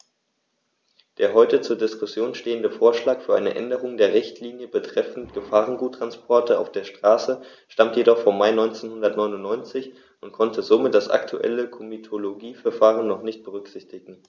Der heute zur Diskussion stehende Vorschlag für eine Änderung der Richtlinie betreffend Gefahrguttransporte auf der Straße stammt jedoch vom Mai 1999 und konnte somit das aktuelle Komitologieverfahren noch nicht berücksichtigen.